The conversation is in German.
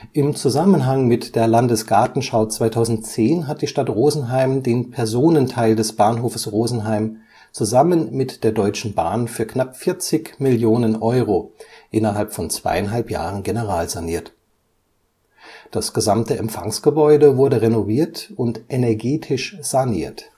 Im Zusammenhang mit der Landesgartenschau 2010 hat die Stadt Rosenheim den Personenteil des Bahnhofes Rosenheim zusammen mit der Deutschen Bahn für knapp 40 Millionen Euro innerhalb von zweieinhalb Jahren generalsaniert. Das gesamte Empfangsgebäude wurde renoviert und energetisch saniert